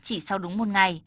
chỉ sau đúng một ngày